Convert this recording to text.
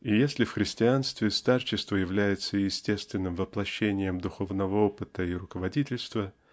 И если в христианстве старчество является естественным воплощением духовного опыта и руководительства